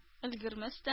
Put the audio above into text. Өлгермәстән